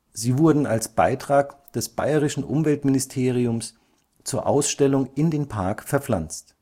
Sie wurden als Beitrag des Bayerischen Umweltministeriums zur Ausstellung in den Park verpflanzt